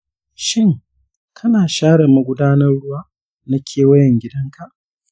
shin kana share magudanan ruwa na kewayen gidanka?